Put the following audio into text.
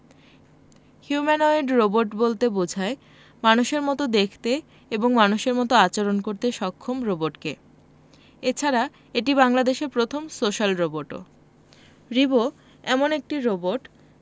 humanoid robot বলতে বোঝায় মানুষের মতো দেখতে এবং মানুষের মতো আচরণ করতে সক্ষম রোবটকে এছাড়া এটি বাংলাদেশের প্রথম সোশ্যাল রোবটও রিবো এমন একটি রোবট